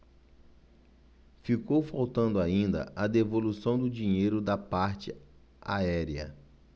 ficou faltando ainda a devolução do dinheiro da parte aérea